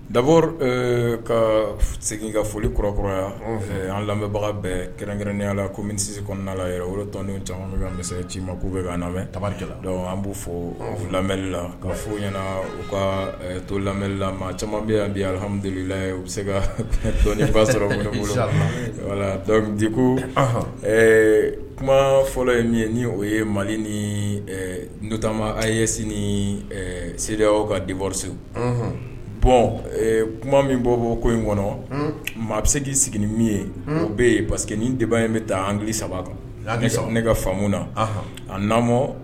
Dabɔ ka segin ka foli kɔrɔ kɔrɔ yan an lamɛnbaga bɛɛ kɛrɛnkɛrɛnnenya la ko minisi kɔnɔna' tɔn caman an bɛ se ci ma k'u bɛ tarikɛla an b' fɔ lamɛnlila ka fɔ ɲɛna u ka to lamɛnlila caman bɛ yan bɛhammudula u bɛ se ka dɔn fa sɔrɔ bolo de ko kuma fɔlɔ ye ye ni o ye mali nita a ye sini seerew ka diwasi bɔn kuma min bɔ bɔ ko in kɔnɔ maa bɛ se k'i sigi min ye o bɛ yen parce queseke deba in bɛ taa an saba kan ne ka faamumu na a na